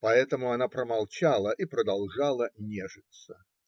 Поэтому она промолчала и продолжала нежиться.